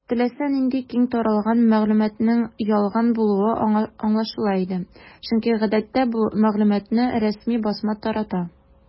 Теләсә нинди киң таралган мәгълүматның ялган булуы аңлашыла иде, чөнки гадәттә бу мәгълүматны рәсми басма тарата.